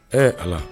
Ɛɛ ala